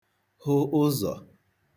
hụ ụzọ̀